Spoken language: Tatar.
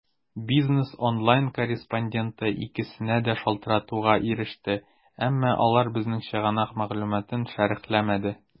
"бизнес online" корреспонденты икесенә дә шалтыратуга иреште, әмма алар безнең чыганак мәгълүматын шәрехләмәде.